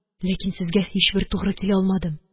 Ләкин сезгә һичбер тугры килә алмадым.